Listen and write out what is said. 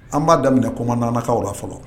An b'a daminɛ komanagalanwla fɔlɔ